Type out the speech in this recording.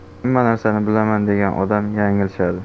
hamma narsani bilaman degan odam yanglishadi